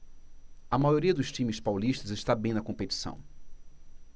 a maioria dos times paulistas está bem na competição